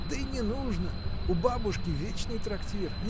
Да и не нужно — у бабушки вечный трактир.